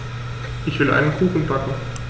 Ich will einen Kuchen backen.